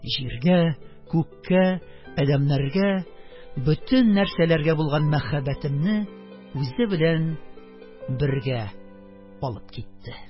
Җиргә, күккә, адәмнәргә, бөтен нәрсәләргә булган мәхәббәтемне үзе белән бергә алып китте.